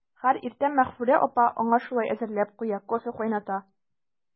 Һәр иртә Мәгъфүрә апа аңа шулай әзерләп куя, кофе кайната.